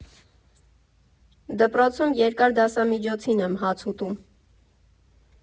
Դպրոցում երկար դասամիջոցին եմ հաց ուտում։